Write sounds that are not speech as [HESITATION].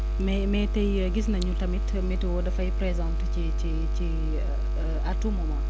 mais mais tey gis nañu tamit météo dafay présente ci ci ci [HESITATION] à tout moment